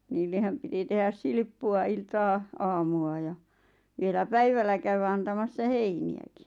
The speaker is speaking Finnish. niillehän piti tehdä silppua iltaa aamua ja vielä päivällä käydä antamassa heiniäkin